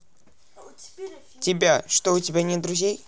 тебя что у тебя нет друзей